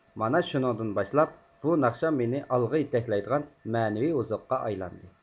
مانا شۇنىڭدىن باشلاپ بۇ ناخشا مېنى ئالغا يېتەكلەيدىغان مەنىۋى ئوزۇققا ئايلاندى